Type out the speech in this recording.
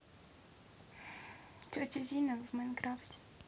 тетя зина в майнкрафте